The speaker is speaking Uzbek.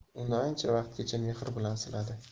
uni ancha vaqtgacha mehr bilan siladi